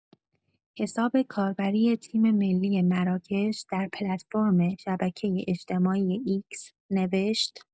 حساب کاربری تیم‌ملی مراکش در پلتفرم شبکه اجتماعی «ایکس»، نوشت